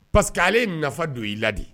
Parce que ale ye nafa don i la de.